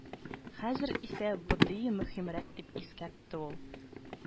Хәзер исә БэДэИ мөһимрәк, дип искәртте ул